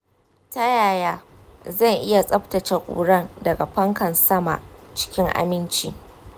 ta yaya zan iya tsabtace ƙuran daga fankan sama cikin aminci?